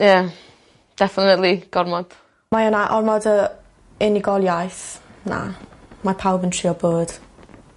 ia definitely gormod. Mae yna ormod o unigoliaeth. Na ma' pawb yn trio bod